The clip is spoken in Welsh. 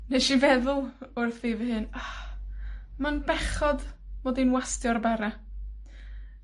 nesh i feddwl wrth fi fy hun, ma'n bechod 'mod i'n wastio'r bara.